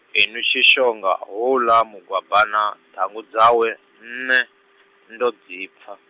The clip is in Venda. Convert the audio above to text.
inwi Tshishonga, houḽa Mugwabana, ṱhangu dzawe, nṋe, ndo dzi pfa.